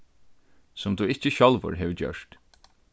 sum tú ikki sjálvur hevur gjørt